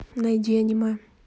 найди аниме